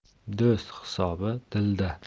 do'st hisobi dilda